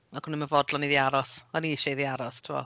Ac o'n nhw'm yn fodlon iddi aros. O'n i eisiau iddi aros tibod?